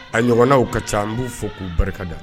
A ɲɔgɔn ka ca an b'u fɔ k'u barikada